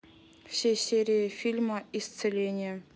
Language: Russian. все серии фильма исцеление